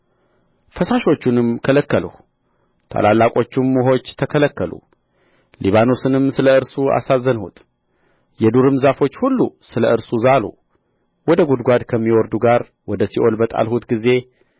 ፈሳሾቹንም ከለከልሁ ታላላቆችም ውኆች ተከለከሉ ሊባኖስንም ስለ እርሱ አሳዘንሁት የዱርም ዛፎች ሁሉ ስለ እርሱ ዛሉ ወደ ጕድጓድ ከሚወርዱ ጋር ወደ ሲኦል በጣልሁት ጊዜ